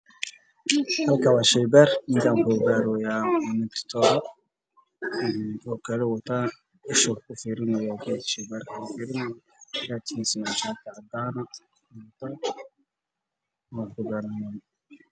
Meeshan waa sheybaar waxaa jooga doctor